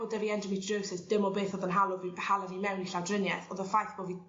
bo' 'dy fi endometriosis dim o beth o'dd yn hawlo fi hala fi mewn i llawdrinieth o'dd y ffaith bo' fi